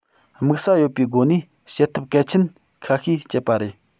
དམིགས ས ཡོད པའི སྒོ ནས བྱེད ཐབས གལ ཆེན ཁ ཤས སྤྱད པ རེད